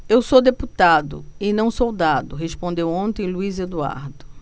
eu sou deputado e não soldado respondeu ontem luís eduardo